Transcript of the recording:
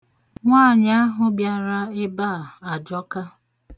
Nwaanyị ahụ bịara ebe a ajọka.